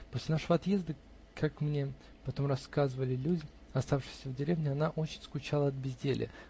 После нашего отъезда, как мне потом рассказывали люди, оставшиеся в деревне, она очень скучала от безделья.